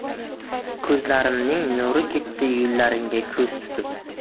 ko'zlarimning nuri ketdi yo'llaringga ko'z tutib